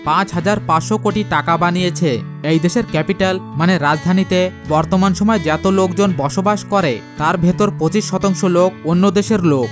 ৫৫০০ কোটি টাকা বানিয়েছে এই দেশের ক্যাপিটাল মানে রাজধানীতে বর্তমান সময় যত লোকজন বসবাস করে তার ভেতরে ২৫% শতাংশ লোক অন্য দেশের লোক